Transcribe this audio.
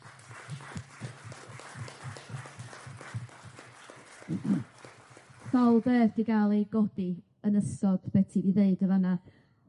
Sawl beth 'di ga'l ei godi yn ystod be' ti 'di ddeud y' fan 'na